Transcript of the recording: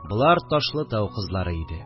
Болар Ташлытау кызлары иде